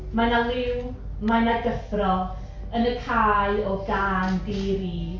Mae 'na liw, mae 'na gyffro, yn y cae o gân di-ri.